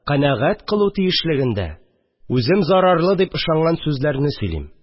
Канәгать кылу тиешлегендә үзем зарарлы дип ишанган сүзләрне сөйлим